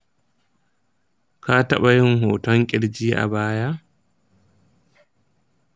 ka taɓa yin hoton ƙirji a baya?